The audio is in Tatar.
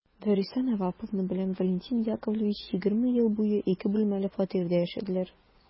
Вәриса Наваповна белән Валентин Яковлевич егерме ел буе ике бүлмәле фатирда яшәделәр.